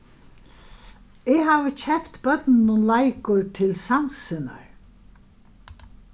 eg havi keypt børnunum leikur til sansirnar